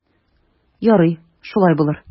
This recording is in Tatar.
Ярый, шулай булыр.